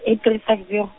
eight three five zero.